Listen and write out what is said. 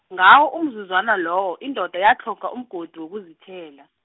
ngawo umzuzwana lowo indoda yatlhoga umgodi wokusithela.